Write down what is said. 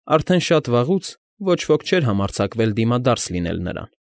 Արդեն շատ վաղուց ոչ ոք չէր համարձակվել դիմադարձ լինել նրան։